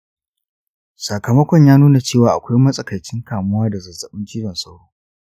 sakamakon ya nuna cewa akwai matsakaicin kamuwa da zazzaɓin cizon sauro.